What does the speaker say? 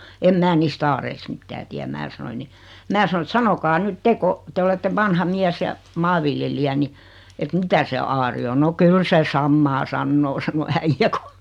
en minä niistä aareista mitään tiedä minä sanoin niin minä sanoi että sanokaa nyt te kun te olette vanha mies ja maanviljelijä niin että mitä se aari on no kyllä se samaa sanoo sanoi äijä kun